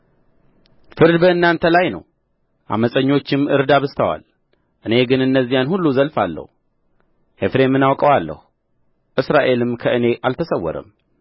ፍርድ በእናንተ ላይ ነው ዓመፀኞችም እርድ አብዝተዋል እኔ ግን እነዚያን ሁሉ እዘልፋለሁ ኤፍሬምን አውቀዋለሁ እስራኤልም ከእኔ አልተሰወረም